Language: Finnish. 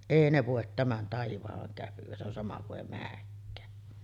ei ne voi tämän taivaan käpyä se on sama kuin ei menekään